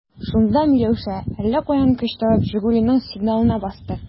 Шунда Миләүшә, әллә каян көч табып, «Жигули»ның сигналына басты.